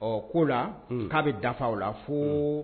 Ɔ ko la k'a bɛ dafa o la fo